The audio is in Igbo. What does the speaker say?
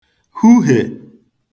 huhè